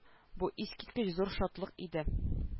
Бу искиткеч зур шатлык иде